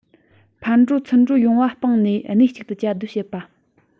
ཕར འགྲོ ཚུར འགྲོའི གཡེང བ སྤངས ནས གནས གཅིག ཏུ ཅམ སྡོད བྱེད པ